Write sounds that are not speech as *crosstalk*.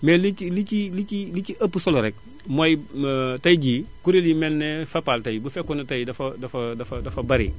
mais li ci li ci li ci li ci ëpp solo rekk mooy *hesitation* tay jii kuréel yu mel ne Fapal tay bu fekkoon ne tay dafa dafa dafa dafa dafa bari *noise*